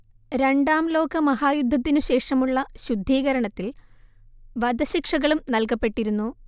രണ്ടാം ലോക മഹായുദ്ധത്തിനു ശേഷമുള്ള ശുദ്ധീകരണത്തിൽ വധശിക്ഷകളും നൽകപ്പെട്ടിരുന്നു